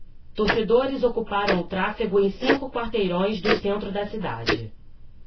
torcedores ocuparam o tráfego em cinco quarteirões do centro da cidade